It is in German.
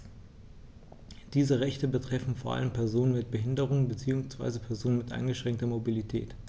Diese Rechte betreffen vor allem Personen mit Behinderung beziehungsweise Personen mit eingeschränkter Mobilität.